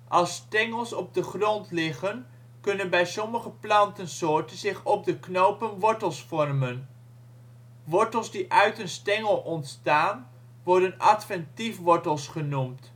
Als stengels op de grond liggen kunnen bij sommige plantensoorten zich op de knopen wortels vormen. Wortels die uit een stengel ontstaan worden adventief wortels genoemd